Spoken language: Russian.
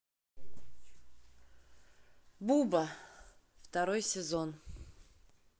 буба второй сезон